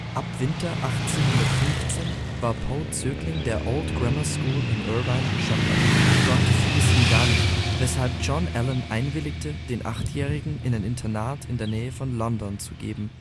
Ab Winter 1815 war Poe Zögling der Old Grammar School in Irvine, Schottland. Dort gefiel es ihm gar nicht, weshalb John Allan einwilligte, den Achtjährigen in ein Internat in der Nähe von London zu geben